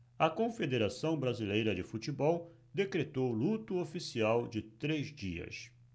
a confederação brasileira de futebol decretou luto oficial de três dias